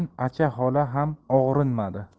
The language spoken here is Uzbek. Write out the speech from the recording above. uchun acha xola ham og'rinmadi